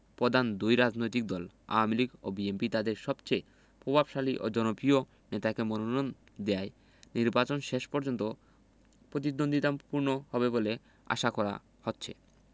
প্রধান দুই রাজনৈতিক দল আওয়ামী লীগ ও বিএনপি তাদের সবচেয়ে প্রভাবশালী ও জনপ্রিয় নেতাকে মনোনয়ন দেওয়ায় নির্বাচন শেষ পর্যন্ত প্রতিদ্বন্দ্বিতাপূর্ণ হবে বলে আশা করা হচ্ছে